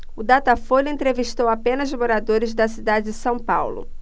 o datafolha entrevistou apenas moradores da cidade de são paulo